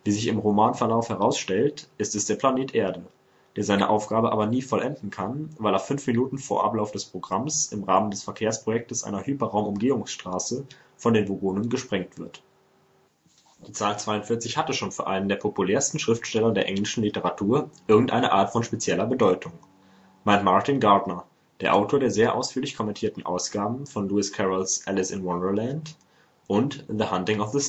sich im Romanverlauf herausstellt, ist es der Planet Erde, der seine Aufgabe aber nie vollenden kann, weil er fünf Minuten vor Ablauf des Programms im Rahmen des Verkehrsprojekts einer Hyperraumumgehungsstraße von den Vogonen gesprengt wird. Die Zahl 42 hatte schon für einen der populärsten Schriftsteller der englischen Literatur „ irgendeine Art von spezieller Bedeutung “, meint Martin Gardner, der Autor der sehr ausführlich kommentierten Ausgaben von Lewis Carrolls Alice in Wonderland (1865) und The Hunting of the Snark